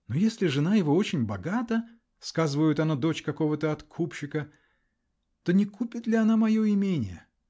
"Но если жена его очень богата -- сказывают, она дочь какого-то откупщика, -- то не купит ли она мое имение?